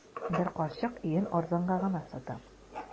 Бер карчык өен арзанга гына сата.